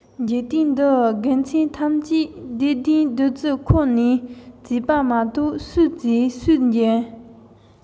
འཇིག རྟེན འདིའི དགེ མཚན ཐམས ཅད བདེ ལྡན བདུད རྩི ཁོ ནས བྱས པ མ གཏོགས སུས བྱས སུས འཇོན